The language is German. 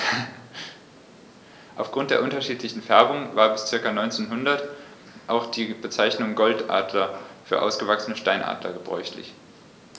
Auf Grund der unterschiedlichen Färbung war bis ca. 1900 auch die Bezeichnung Goldadler für ausgewachsene Steinadler gebräuchlich.